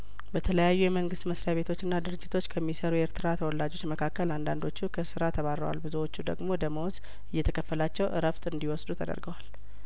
በተለያዩ የመንግስት መስሪያ ቤቶችና ድርጅቶች ከሚ ሰሩ የኤርትራ ተወላጆች መካከል አንዳንዶቹ ከስራ ተባ ረዋል ብዙዎቹ ደግሞ ደመወዝ እየተከፈላቸው እረፍት እንዲወስዱ ተደረገዋል